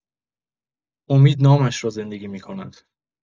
امید نامش را زندگی می‌کند.